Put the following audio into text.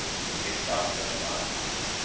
mikkjalsgøta